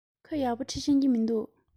ཁོས ཡག པོ འབྲི ཤེས ཀྱི མིན འདུག